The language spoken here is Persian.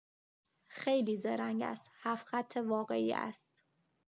خیلی زرنگ است، هفت‌خط واقعی است.